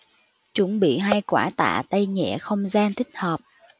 chuẩn bị hai quả tạ tay nhẹ không gian thích hợp